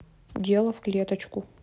дело в клеточку